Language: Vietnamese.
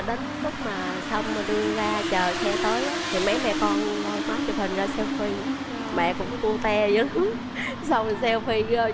đến lúc mà xong mà đưa ra chờ xe tới á thì mấy mẹ con lôi máy chụp hình ra seo phi mẹ cũng cu te dữ lắm xong seo phi